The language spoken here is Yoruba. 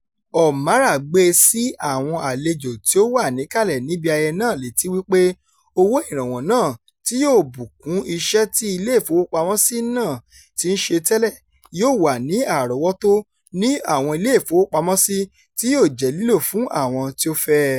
Omarah gbé e sí àwọn àlejò tí ó wà níkàlẹ̀ níbi ayẹyẹ náà létí wípé owó ìrànwọ́ náà, tí yóò bù kún iṣẹ́ tí Ilé-ìfowópamọ́sí náà ti ń ṣe tẹ́lẹ̀, yóò wà ní àrọ̀wọ́tó ní àwọn Ilé-ìfowópamọ́sí, tí yóò jẹ́ lílò fún àwọn tí ó fẹ́ ẹ.